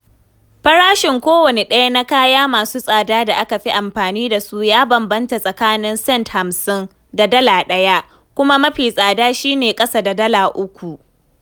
Farashin kowane ɗaya na kaya masu tsada da aka fi amfani da su ya bambanta tsakanin cents 50 da Dala 1 kuma mafi tsada shi ne ƙasa da Dala 3.